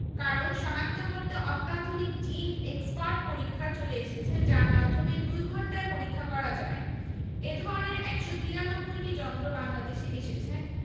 কারণ শনাক্ত করতে অত্যাধুনিক জিন এক্সপার্ট পরীক্ষা চলে এসেছে যার মাধ্যমে দুই ঘণ্টায় পরীক্ষা করা যায় এ ধরনের ১৯৩টি যন্ত্র বাংলাদেশে এসেছে